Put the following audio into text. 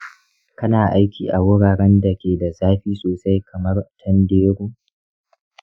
kana aiki a wuraren da ke da zafi sosai kamar tanderu